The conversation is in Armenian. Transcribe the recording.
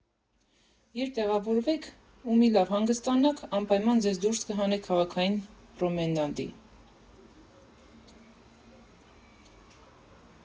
Երբ տեղավորվեք ու մի լավ հանգստանաք, անպայման ձեզ դուրս հանեք քաղաքային պրոմենադի։